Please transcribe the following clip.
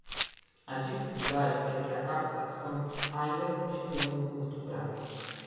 a dificuldade é que a captação ainda continua no curto prazo